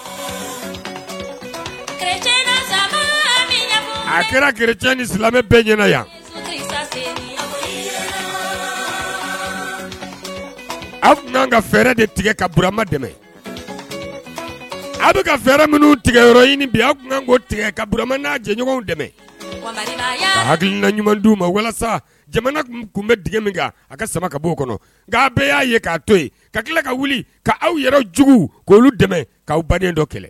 Kɛra ni silamɛ bɛɛ ɲɛna yan aw tun ka fɛɛrɛ de tigɛ kaurama dɛmɛ a bɛ kaɛrɛ minnu tigɛ yɔrɔ bi a tun tigɛ kama n jɛɲɔgɔn dɛmɛ ɲuman di ma walasa jamana tun tun bɛ dege min a ka sama ka bɔ kɔnɔ bɛɛ y'a ye k'a to ka tila ka wuli ka aw yɛrɛ jugu k' olu dɛmɛ k' baden dɔ kɛlɛ